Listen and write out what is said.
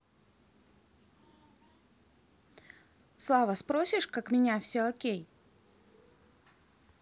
слава спросишь как меня все окей